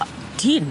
Yy dyn?